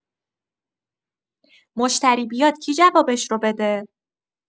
مشتری بیاد کی جوابش رو بده؟